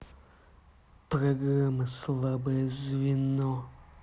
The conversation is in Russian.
программа слабое звено